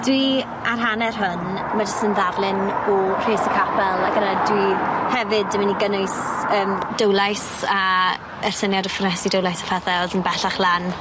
Dwi ar hanner hwn ma' jyst yn ddarlun o rhes y capel ac yna dwi hefyd yn myn' i gynnwys yym Dowlais a y syniad o ffyrnesi Dowlais a phethe o'dd yn bellach lan.